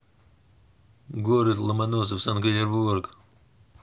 город ломоносов санкт петербург